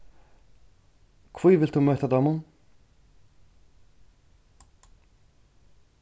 hví vilt tú møta teimum